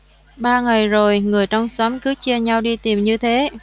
ba ngày rồi người trong xóm cứ chia nhau đi tìm như thế